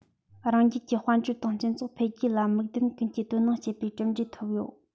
རང རྒྱལ གྱི དཔལ འབྱོར དང སྤྱི ཚོགས འཕེལ རྒྱས ལ མིག ལྡན ཀུན གྱིས དོ སྣང བྱེད པའི གྲུབ འབྲས ཐོབ ཡོད